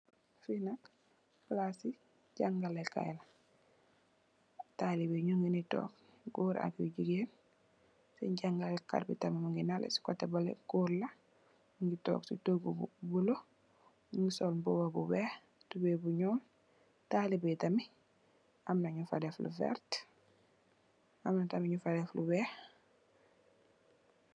Fee nak plase jagalekaye la talibeh nuge nee tonke goor ak yu jegain sen jagalekate be tanin muge nale se koteh bale goor la muge tonke se toogu bu bulo muge sol muba bu weex tubaye bu nuul talibeh ye tamin amna nufa def lu verte amna tamin nufa def lu weex.